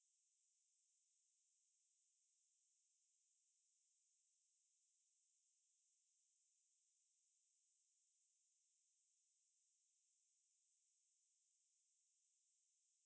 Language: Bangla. তা থেকে একটি ইতিবাচক ফলাফল আসবে আমরা সবাই সে অপেক্ষাতেই রইলাম চলতি সপ্তাহের পরে সাংহাই করপোরেশন অর্গানাইজেশনের সম্মেলনে পুতিনের যোগ দেওয়ার কথা রয়েছে